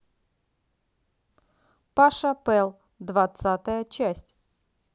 паша пэл двадцатая часть